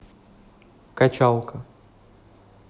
качалка